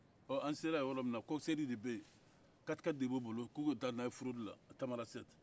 ɔ an sela yen yɔrɔ min na kɔkisɛri de bɛ yen kati-kati de b'o bolo k'u bɛ taa n'a ye furodu la tamarasɛti